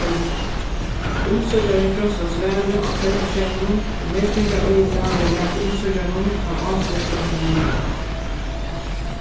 teldu umsøkjarin krossar svarið á telduskerminum og metingaroyðublað verður latið umsøkjaranum tá ástøðisroyndin er liðug